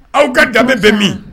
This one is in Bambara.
Aw ka danbe bɛ min?